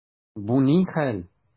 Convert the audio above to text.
Бу ни хәл!